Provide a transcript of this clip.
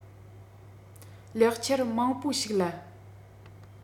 ལེགས ཆར མང པོ ཞིག ལ